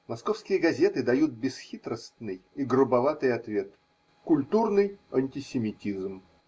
Московские газеты дают бесхитростный и грубоватый ответ: культурный антисемитизм.